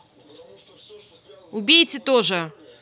убейте тоже